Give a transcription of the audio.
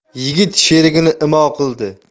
yigit sherigini imo qildi